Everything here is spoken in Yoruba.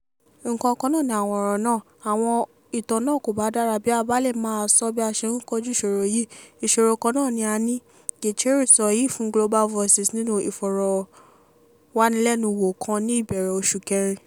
Nǹkan kan náà ni àwọn ọ̀rọ̀ náà, àwọn ìtàn náà kò bá dára bí a bá lè máa sọ bí a ṣe ń kojú ìṣòro yìí; ìṣòro kan náà ni a ní,” Gicheru sọ èyí fún Global Voices nínú Ìfọ̀rọ̀wánilẹ́nuwò kan ní ìbẹ̀rẹ̀ oṣù kẹrin.